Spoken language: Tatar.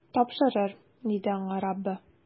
Тапшырыр, - диде аңа Раббы.